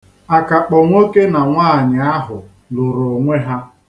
Akakpọ ̣nwoke na nwaanyị ahụ lụrụ onwe ha.